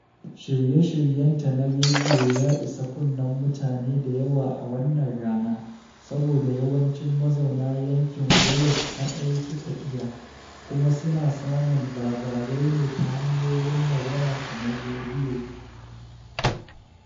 Shirye-shiryenta na rediyo ya isa kunnen mutane da yawa a wannan rana, saboda yawancin mazauna yankin Wolof kaɗai suka iya, kuma suna samun labarai ne ta hanyoyin magana kamar rediyo.